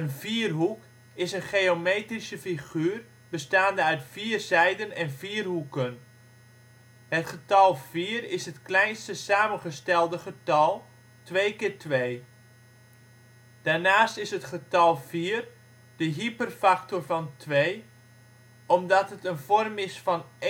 vierhoek is een geometrische figuur bestaande uit vier zijden en vier hoeken. Het getal 4 is het kleinste samengestelde getal (2 × 2). Daarnaast is het getal 4 de hyperfactor van 2, omdat het een vorm is van